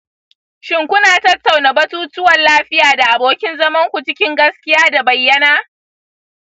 shin kuna tattauna batutuwan lafiya da abokin zamanku cikin gaskiya da bayyana?